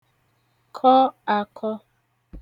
-kọ akọ